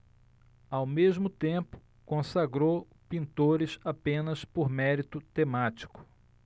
ao mesmo tempo consagrou pintores apenas por mérito temático